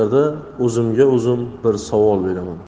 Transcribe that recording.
o'zim bir savol beraman